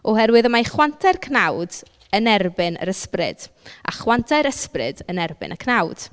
Oherwydd y mae chwantau'r cnawd yn erbyn yr ysbryd a chwantau'r ysbryd yn erbyn y cnawd.